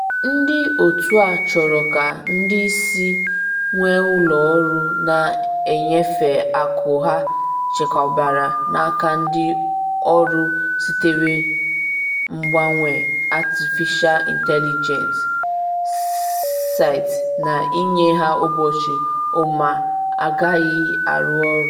Ndị otu a chọrọ ka ndị isi nwe ụlọ ọrụ na-enyefe akụ ha chekwabara n’aka ndị ọrụ siterena mgbanwe artificial intelligence (AI) site na inye ha ụbọchị ụma agaghị arụ ọrụ.